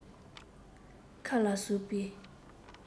མཁའ ལ ཟུག པའི